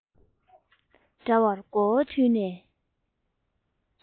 འདྲ བར མགོ བོ དུད ནས